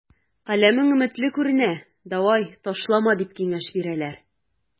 Каләмең өметле күренә, давай, ташлама, дип киңәш бирәләр.